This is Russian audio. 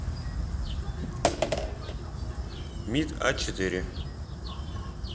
мид а четыре